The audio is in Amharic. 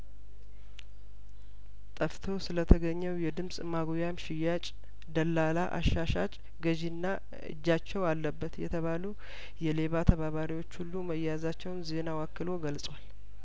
ጠፍቶ ስለተገኘው የድምጽ ማጉያም ሻጭ ደላላ አሻ ሻጭ ገዢና እጃቸው አለበት የተባሉ የሌባ ተባባሪዎች ሁሉ መያዛቸውን ዜናው አክሎ ገልጿል